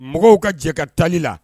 Mɔgɔw ka jɛ ka taali la